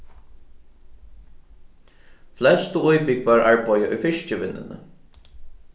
flestu íbúgvar arbeiða í fiskivinnuni